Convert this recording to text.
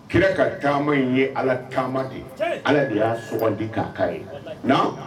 Kira ka taama in ye ala taama de ye ala de y'a sɔn di k'a kan ye